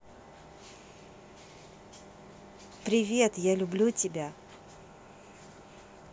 привет я люблю тебя